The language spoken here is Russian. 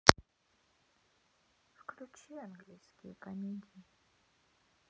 включи английские комедии